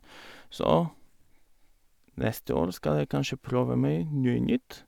Så neste år skal jeg kanskje prøve meg noe nytt.